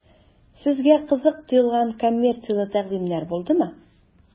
Сезгә кызык тоелган коммерцияле тәкъдимнәр булдымы?